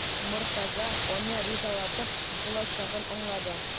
Мортаза аны ризалатып булачагын аңлады.